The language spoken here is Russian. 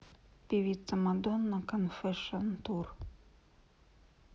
певица madonna confession tour